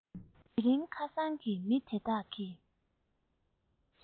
དེ རིང ཁ སང གི མི དེ དག གིས